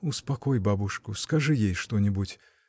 успокой бабушку, скажи ей что-нибудь.